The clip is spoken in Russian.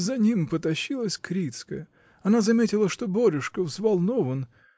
— За ним потащилась Крицкая: она заметила, что Борюшка взволнован.